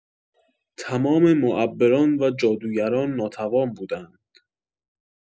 تمام معبران و جادوگران ناتوان بودند